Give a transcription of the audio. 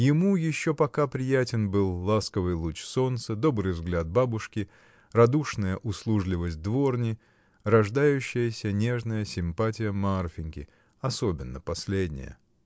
Ему еще пока приятен был ласковый луч солнца, добрый взгляд бабушки, радушная услужливость дворни, рождающаяся нежная симпатия Марфиньки — особенно последнее.